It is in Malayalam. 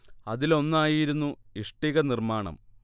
അതിലൊന്നായിരുന്നു ഇഷ്ടിക നിർമ്മാണം